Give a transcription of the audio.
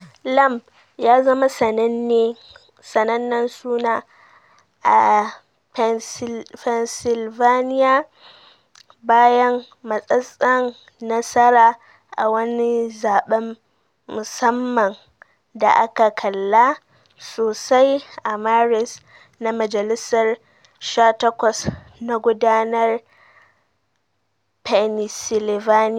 Lamb ya zama sanannen suna a Pennsylvania bayan matsatsen nasara a wani zaben mussamman da aka kalla sosai a Maris na Majalisar 18 na Gundumar Pennsylvania.